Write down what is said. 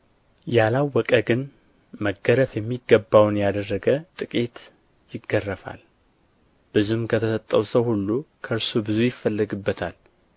ያላወቀ ግን መገረፍ የሚገባውንም ያደረገ ጥቂት ይገረፋል ብዙም ከተሰጠው ሰው ሁሉ ከእርሱ ብዙ ይፈለግበታል